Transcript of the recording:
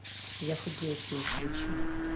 я худею фильм включи